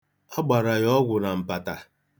A gbara ya ọgwụ na mpata.